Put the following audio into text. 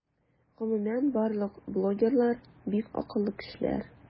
Гомумән барлык блогерлар - бик акыллы кешеләр.